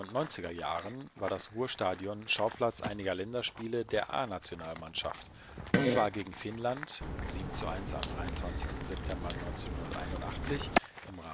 90er Jahren war das Ruhrstadion Schauplatz einiger Länderspiele der A-Nationalmannschaft, und zwar gegen Finnland (7:1 am 23. Sep. 1981 im